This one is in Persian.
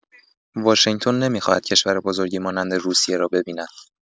واشنگتن نمی‌خواهد کشور بزرگی مانند روسیه را ببیند.